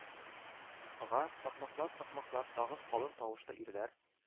Га, такмаклап-такмаклап, тагын калын тавышлы ирләр